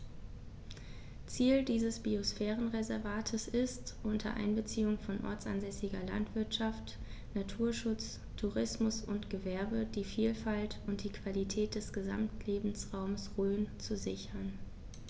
Ziel dieses Biosphärenreservates ist, unter Einbeziehung von ortsansässiger Landwirtschaft, Naturschutz, Tourismus und Gewerbe die Vielfalt und die Qualität des Gesamtlebensraumes Rhön zu sichern.